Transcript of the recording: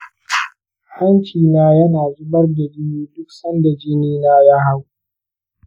hanci ya yana zubar da jini duk sanda jini na ya hau.